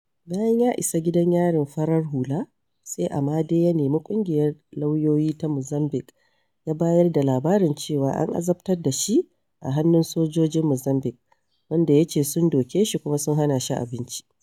Bayan ya isa gidan yarin farar hula, sai Amade ya nemi ƙungiyar Lauyoyi ta Mozambiƙue ya bayar da labarin cewa an azabtar da shi a hannun sojojin Mozambiƙue, waɗanda ya ce sun doke shi kuma sun hana shi abinci.